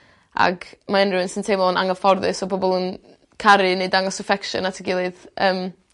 Ag ma' unrywun sy'n teimlo'n angyfforddus o pobol yn caru neu dangos affection at ei gilydd yym